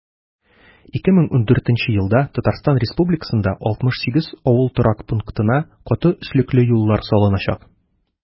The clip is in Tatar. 2014 елда татарстан республикасында 68 авыл торак пунктына каты өслекле юллар салыначак.